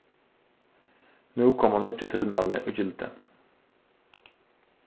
nú koma nýggju tilmælini í gildi